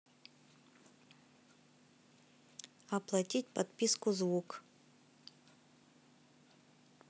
оплатить подписку звук